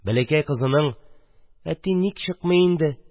Бәләкәй кызының: – Әти ник чыкмый инде?